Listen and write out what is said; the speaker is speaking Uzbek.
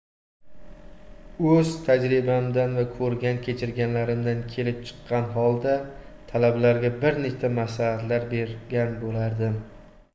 o'z tajribamdan va ko'rgan kechirganlarimdan kelib chiqqan holda talabalarga bir nechta maslahatlar bergan bo'lardim